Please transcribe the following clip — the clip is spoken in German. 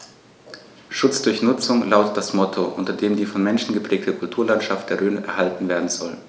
„Schutz durch Nutzung“ lautet das Motto, unter dem die vom Menschen geprägte Kulturlandschaft der Rhön erhalten werden soll.